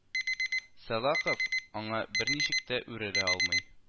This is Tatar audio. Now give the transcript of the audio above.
Сәлахов аңа берничек тә үрелә алмый